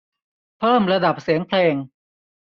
เพิ่มระดับเสียงเพลง